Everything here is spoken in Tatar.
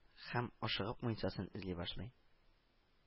Һәм ашыгып муенсасын эзли башлый